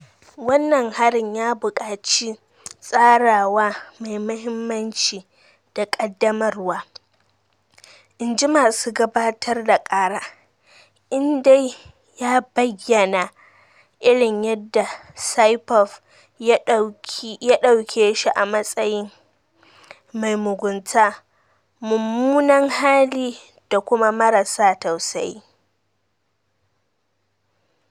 Wannan harin ya buƙaci "tsarawa mai mahimmanci da ƙaddamarwa," in ji masu gabatar da ƙara, inda ya bayyana irin yadda Saipov ya ɗauke shi a matsayin "mai mugunta, mummunan hali da kuma mara sa tausayi."